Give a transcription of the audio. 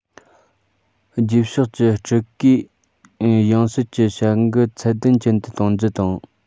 རྗེས ཕྱོགས ཀྱི སྤྲུལ སྐུའི ཡང སྲིད ཀྱི བྱ འགུལ ཚད ལྡན ཅན དུ གཏོང རྒྱུ དང